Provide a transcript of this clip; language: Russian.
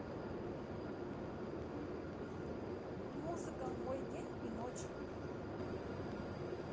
музыка мой день и ночь